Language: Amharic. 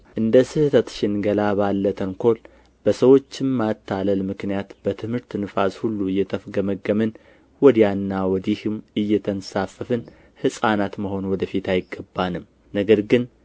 እንደ ስሕተት ሽንገላ ባለ ተንኮል በሰዎችም ማታለል ምክንያት በትምህርት ነፋስ ሁሉ እየተፍገመገምን ወዲያና ወዲህም እየተንሳፈፍን ሕፃናት መሆን ወደ ፊት አይገባንም ነገር ግን